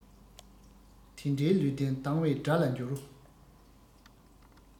དེ འདྲའི ལུས རྟེན སྡང བའི དགྲ ལ འགྱུར